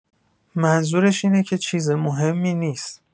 منظورش اینه که چیز مهمی نیست.